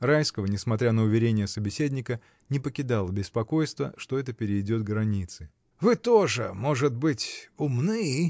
Райского, несмотря на уверение собеседника, не покидало беспокойство, что это перейдет границы. — Вы тоже, может быть, умны.